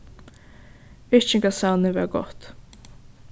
yrkingasavnið var gott